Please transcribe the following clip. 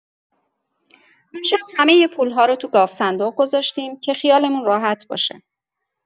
اون شب همه پول‌ها رو تو گاوصندوق گذاشتیم که خیالمون راحت باشه.